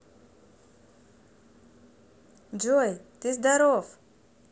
джой ты здоров